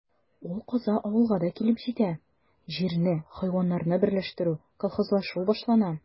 Ул каза авылга да килеп җитә: җирне, хайваннарны берләштерү, колхозлашу башлана.